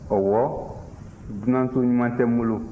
ɔwɔ dunanso ɲuman tɛ n bolo